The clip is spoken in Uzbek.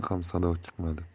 ham sado chiqmadi